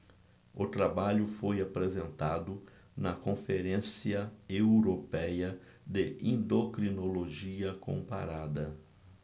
o trabalho foi apresentado na conferência européia de endocrinologia comparada